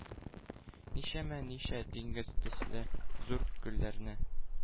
Ничәмә-ничә диңгез төсле зур күлләрне,